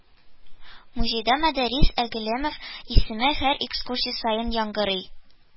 Музейда Мөдәррис Әгъләмов исеме һәр экскурсия саен яңгырый